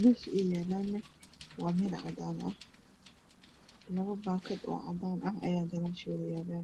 mesha ay yalan waa Mel cadan labo bakad oo cadan ah aya mesha yalo